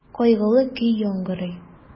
Кайгылы көй яңгырый.